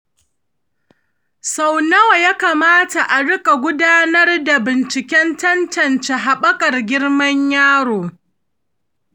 sau nawa ya kamata a riƙa gudanar da binciken tantance haɓakar girman yaro